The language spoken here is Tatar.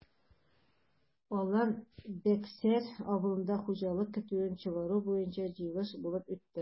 Алан-Бәксәр авылында хуҗалык көтүен чыгару буенча җыелыш булып үтте.